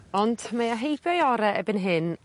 Ond mae o heibio'i ore erbyn hyn